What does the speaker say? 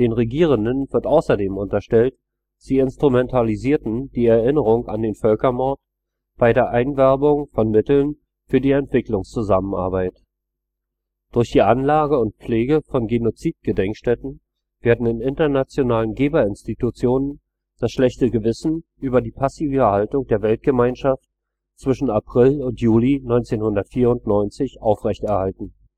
Regierenden wird außerdem unterstellt, sie instrumentalisierten die Erinnerung an den Völkermord bei der Einwerbung von Mitteln für die Entwicklungszusammenarbeit. Durch die Anlage und Pflege von Genozidgedenkstätten werde in internationalen Geberinstitutionen das schlechte Gewissen über die passive Haltung der Weltgemeinschaft zwischen April und Juli 1994 aufrechterhalten